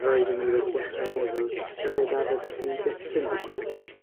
Roeddwn i wedi dechrau meddwl tybed a fyddech chi byth yn dihuno?